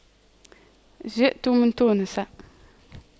جئت من تونس